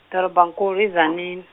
dorobankulu i- Tzaneen.